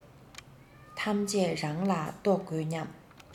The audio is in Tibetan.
ཐམས ཅད རང ལ གཏོགས དགོས སྙམ